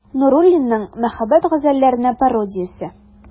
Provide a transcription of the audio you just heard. Нуруллинның «Мәхәббәт газәлләренә пародия»се.